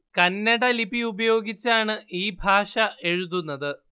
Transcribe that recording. കന്നട ലിപി ഉപയോഗിച്ചാണ് ഈ ഭാഷ എഴുതുന്നത്